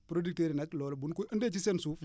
producteurs yi nag loolu bu nu ko andee ci seen suuf